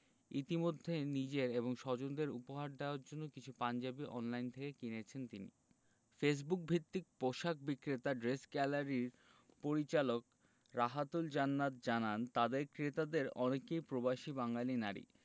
ইতিমধ্যে নিজের এবং স্বজনদের উপহার দেওয়ার জন্য কিছু পাঞ্জাবি অনলাইন থেকে কিনেছেন তিনি ফেসবুকভিত্তিক পোশাক বিক্রেতা ড্রেস গ্যালারির পরিচালকরাহাতুল জান্নাত জানান তাঁদের ক্রেতাদের অনেকেই প্রবাসী বাঙালি নারী